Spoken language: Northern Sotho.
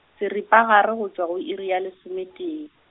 seripagare go tšwa go iri ya lesometee.